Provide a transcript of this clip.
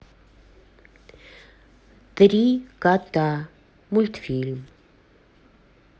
три кота мультфильм